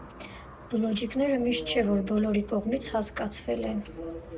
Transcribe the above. Բլոճիկները միշտ չի, որ բոլորի կողմից հասկացվել են։